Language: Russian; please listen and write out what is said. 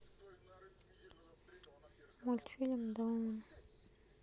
мультфильм дом